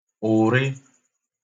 ụ̀rị